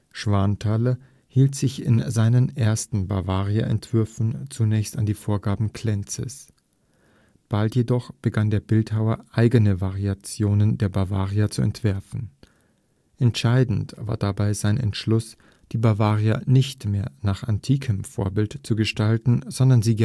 Schwanthaler hielt sich in seinen ersten Bavaria-Entwürfen zunächst an die Vorgaben Klenzes. Bald jedoch begann der Bildhauer, eigene Variationen der Bavaria zu entwerfen. Entscheidend war dabei sein Entschluss, die Bavaria nicht mehr nach antikem Vorbild zu gestalten, sondern sie